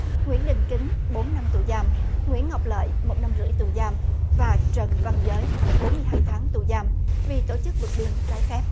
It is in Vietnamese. nguyễn đình kính bốn năm tù giam nguyễn ngọc lợi một năm rưỡi tù giam và trần văn giới bốn mươi hai tháng tù giam vì tổ chức vượt biên trái phép